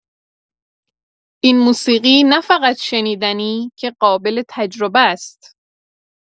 این موسیقی نه‌فقط شنیدنی که قابل تجربه است؛